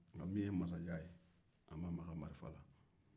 masajan ma maga marifa la